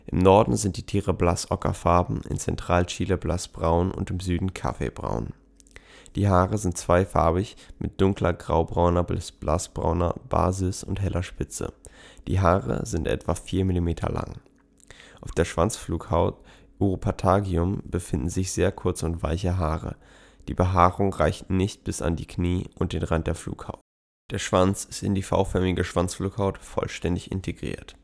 Norden sind die Tiere blass ockerfarben, in Zentralchile blassbraun und im Süden kaffeebraun. Die Haare sind zweifarbig mit dunkler graubrauner bis blassbrauner Basis und heller Spitze, die Haare sind etwa vier Millimeter lang. Auf der Schwanzflughaut (Uropatagium) befinden sich sehr kurze und weiche Haare, die Behaarung reicht nicht bis an die Knie und den Rand der Flughaut. Der Schwanz ist in die v-förmige Schwanzflughaut vollständig integriert